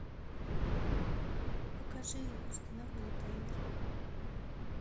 покажи установленный таймер